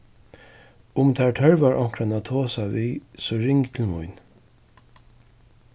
um tær tørvar onkran at tosa við so ring til mín